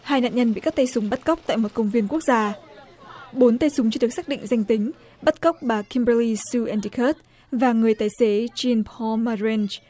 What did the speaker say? hai nạn nhân bị các tay súng bắt cóc tại một công viên quốc gia bốn tay súng chưa xác định danh tính bắt cóc bà kim bơ ly sư en đi cớt và người tài xế chin po ma rên